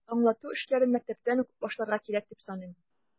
Аңлату эшләрен мәктәптән үк башларга кирәк, дип саныйм.